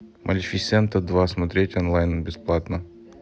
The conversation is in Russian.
малефисента два смотреть онлайн бесплатно